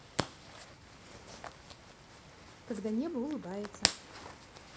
когда небо улыбается